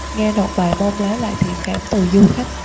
nghe đọc bài mong lấy lại thiện cảm từ du khách